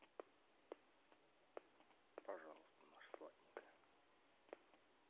пожалуйста наша сладенькая